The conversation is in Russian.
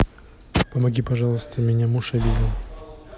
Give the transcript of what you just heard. помоги пожалуйста меня муж обидел